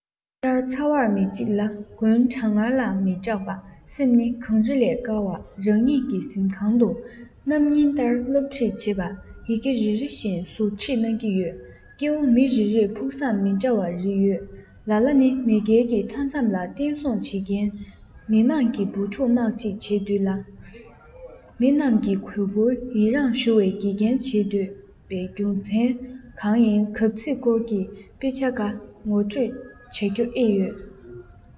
དབྱར ཚ བར མི འཇིགས ལ དགུན གྲང ངར ལ མི སྐྲག པ སེམས ནི གངས རི ལས དཀར བ རང ཉིད ཀྱི གཟིམ ཁང དུ བསྣམས ཉིན ལྟར སློབ ཁྲིད བྱེད པ ཡི གེ རེ རེ བཞིན ཟུར ཁྲིད གནང གི ཡོད སྐྱེ བོ མི རེ རེར ཕུགས བསམ མི འདྲ བ རེ ཡོད ལ ལ ནི མེས རྒྱལ གྱི མཐའ མཚམས ལ བརྟན སྲུང བྱེད མཁན མི དམངས ཀྱི བུ ཕྲུག དམག ཅིག བྱེད འདོད ཡོད ལ མི རྣམས ཀྱིས གུས བཀུར ཡིད རང ཞུ བའི དགེ རྒན བྱེད འདོད པའི རྒྱུ མཚན གང ཡིན གབ ཚིག སྐོར གྱི དཔེ ཆ འགའ ངོ སྤྲོད བྱ རྒྱུ ཨེ ཡོད